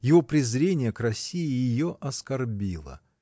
его презрение к России ее оскорбило.